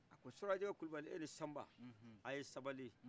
a ko surakajɛkɛ kulubali e ni sanba a ye sabali